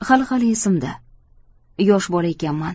hali hali esimda yosh bola ekanman